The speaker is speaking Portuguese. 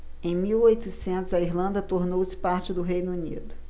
em mil e oitocentos a irlanda tornou-se parte do reino unido